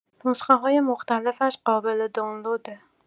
نسخه‌های مختلفش قابل دانلوده